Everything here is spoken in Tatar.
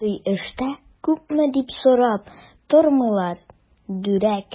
Мондый эштә күпме дип сорап тормыйлар, дүрәк!